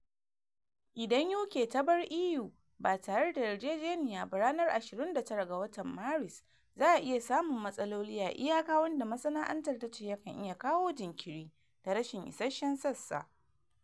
Idan UK ta bar EU ba tare dayarjejeniya ba ranar 29 ga watan Maris, za’a iya samun matsaloli a iyaka wanda masana’antar ta ce yakan iya kawo jinkiri da rashin isashen sassa.